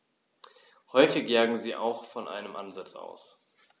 Häufig jagen sie auch von einem Ansitz aus.